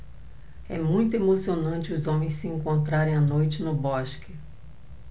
é muito emocionante os homens se encontrarem à noite no bosque